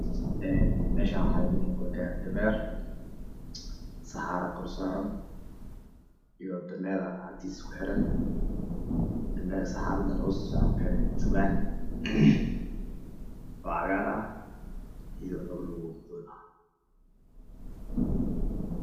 Een meshan waxaa iiga muuqdo gaari dameer saxaraa kursaaran iyo dameraa kurkiisa kuxiran juwaan oocagaar ah